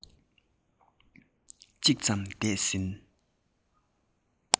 གཅིག ཙམ འདས ཟིན